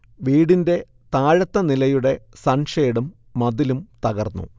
വീടിൻെറ താഴത്തെ നിലയുടെ സൺേഷഡും മതിലും തകർന്നു